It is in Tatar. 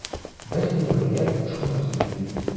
Бер риваять шуны сөйли.